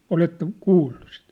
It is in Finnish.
oletteko kuullut sitten